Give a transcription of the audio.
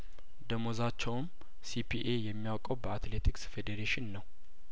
ደሞዛቸውም ሲፒ ኤ የሚያውቀው በአትሌቲክስ ፌዴሬሽን ነው